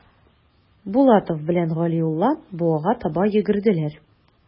Булатов белән Галиулла буага таба йөгерделәр.